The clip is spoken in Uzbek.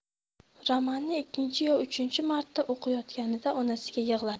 romanni ikkinchi yo uchinchi marta o'qiyotganida onasiga yig'ladi